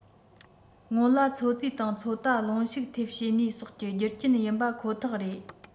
སྔོན ལ ཚོད རྩིས དང ཚོད ལྟ རླུང ཤུགས ཐེབས བྱེད ནུས སོགས ཀྱི རྒྱུ རྐྱེན ཡིན པ ཁོ ཐག རེད